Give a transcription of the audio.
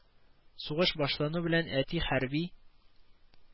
Сугыш башлану белән әти хәрби